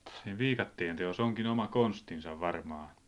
siinä viikatteen teossa onkin oma konstinsa varmaan